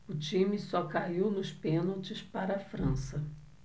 o time só caiu nos pênaltis para a frança